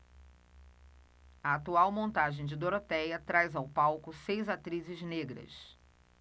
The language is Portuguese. a atual montagem de dorotéia traz ao palco seis atrizes negras